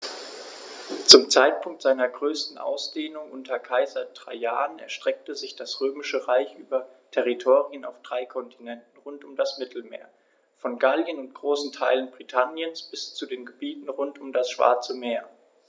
Zum Zeitpunkt seiner größten Ausdehnung unter Kaiser Trajan erstreckte sich das Römische Reich über Territorien auf drei Kontinenten rund um das Mittelmeer: Von Gallien und großen Teilen Britanniens bis zu den Gebieten rund um das Schwarze Meer.